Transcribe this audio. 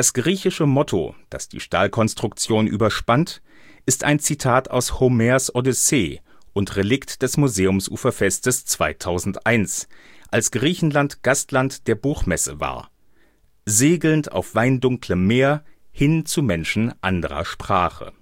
griechische Motto, das die Stahlkonstruktion überspannt, ist ein Zitat aus Homers Odyssee (I, 183) und Relikt des Museumsuferfests 2001, als Griechenland Gastland der Buchmesse war: Vorlage:Polytonisch (Vorlage:Polytonisch; pléōn epí oínopa pónton ep’ allothróous anthrópous, „ Segelnd auf weindunklem Meer hin zu Menschen anderer Sprache